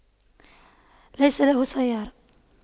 ليس له سيارة